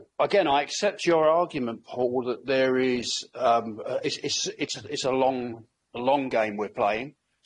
So again I accept your argument Paul that there is- it's a long a long game we're playing,